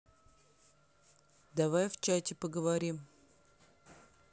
давай в чате поговорим